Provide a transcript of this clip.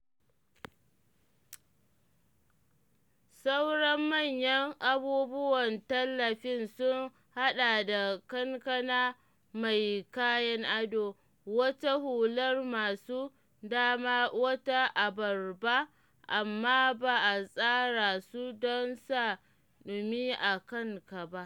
Sauran manyan abubuwan tallafin sun haɗa da kankana mai kayan ado, wata hular masu da ma wata abarba - amma ba a tsara su don sa dumi a kanka ba.